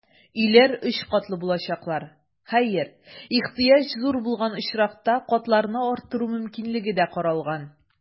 Өйләр өч катлы булачаклар, хәер, ихтыяҗ зур булган очракта, катларны арттыру мөмкинлеге дә каралган.